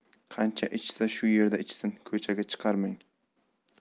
qancha ichsa shu yerda ichsin ko'chaga chiqarmang